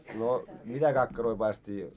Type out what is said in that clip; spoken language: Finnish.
no mitä kakkaroita paistettiin